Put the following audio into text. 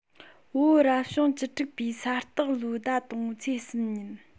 བོད རབ བྱུང བཅུ དྲུག པའི ས སྟག ལོའི ཟླ དང པོའི ཚེས གསུམ ཉིན